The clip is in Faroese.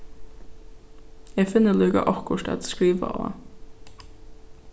eg finni líka okkurt at skriva á